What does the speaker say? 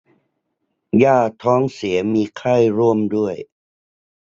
ย่าท้องเสียมีไข้ร่วมด้วย